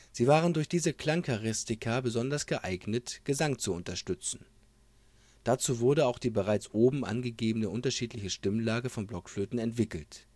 Sie waren durch diese Klangcharakteristika besonders geeignet, Gesang zu unterstützen. Dazu wurde auch die bereits oben angegebenen unterschiedlichen Stimmlagen von Blockflöten entwickelt